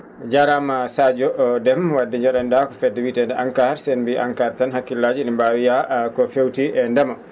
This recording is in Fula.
jaaraama Sadio Déme wadde joo?ani?aa ko fedde wiyeteende ENCAR so en mbiyii ENCAR tan hakkilaaji ina mbaawi yah ko fewti e ndema